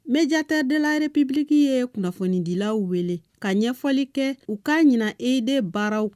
Nejatadre ppiliki ye kunnafonidilaw wele ka ɲɛfɔli kɛ u k'a ɲin eden baaraw